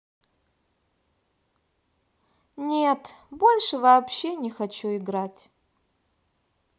нет больше вообще не хочу играть